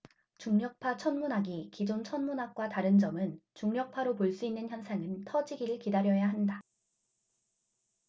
중력파 천문학이 기존 천문학과 다른 점은 중력파로 볼 수 있는 현상은 터지기를 기다려야 한다